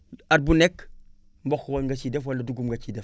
at bu nekk mboq war nga si def wala dugub nga siy def